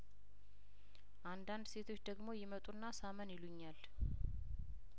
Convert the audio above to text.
አንዳንድ ሴቶች ደግሞ ይመጡና ሳመን ይሉኛል